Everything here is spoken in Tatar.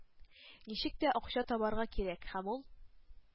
Ничек тә акча табарга кирәк, һәм ул